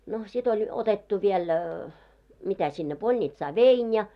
no sitten oli otettu vielä mitä sinne polnitsaan vein ja